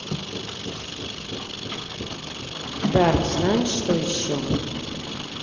dark знаешь что еще